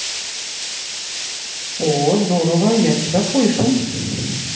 о здорово я тебя слышу